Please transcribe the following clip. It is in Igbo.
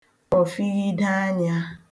kpọ̀fighide anyā